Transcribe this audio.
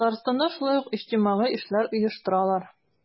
Татарстанда шулай ук иҗтимагый эшләр оештыралар.